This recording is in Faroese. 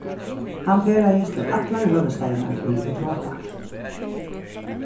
hann ferðaðist til allar høvuðsstaðirnar í europa